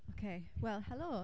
Ocê wel helo.